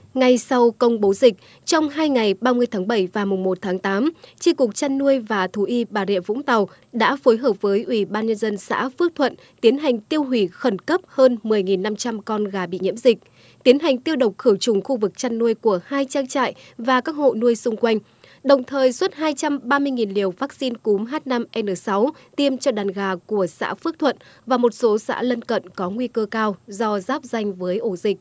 ngay sau công bố dịch trong hai ngày ba mươi tháng bảy và mùng một tháng tám chi cục chăn nuôi và thú y bà rịa vũng tàu đã phối hợp với ủy ban nhân dân xã phước thuận tiến hành tiêu hủy khẩn cấp hơn mười nghìn năm trăm con gà bị nhiễm dịch tiến hành tiêu độc khử trùng khu vực chăn nuôi của hai trang trại và các hộ nuôi xung quanh đồng thời suốt hai trăm ba mươi nghìn liều vắc xin cúm h năm n sáu tiêm cho đàn gà của xã phước thuận và một số xã lân cận có nguy cơ cao do giáp ranh với ổ dịch